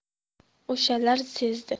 o'shalar sezdi